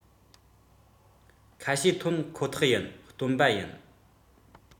རྒྱལ ཁབ གཅིག ཁོ ནས གཙོ བདག བྱེད པའི གནས ཚུལ བྱུང བ རེད